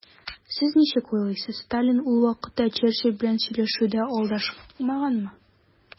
Сез ничек уйлыйсыз, Сталин ул вакытта Черчилль белән сөйләшүдә алдашмаганмы?